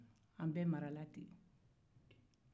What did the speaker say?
an bɛɛ marala ten